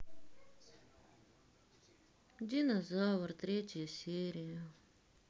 динозавр третья серия